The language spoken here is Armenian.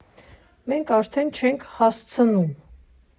Մենք արդեն չե՜նք հասցնում։